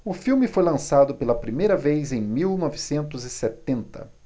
o filme foi lançado pela primeira vez em mil novecentos e setenta